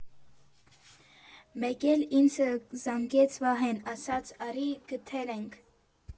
Մեկ էլ ինձ զանգեց Վահեն, ասաց արի՝ գտե՜լ ենք։